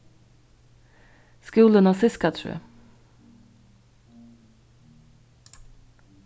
skúlin á ziskatrøð